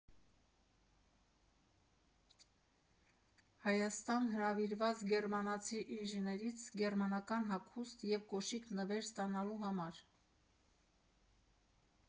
Հայաստան հրավիրված գերմանացի ինժեներից գերմանական հագուստ և կոշիկ նվեր ստանալու համար։